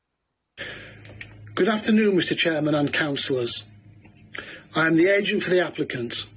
Good afternoon Mr. Chairman and counsellors. I am the agent for the applicant.